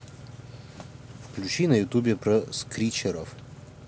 включи на ютубе про скричеров